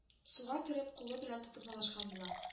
Суга кереп кулы белән тотып маташкан була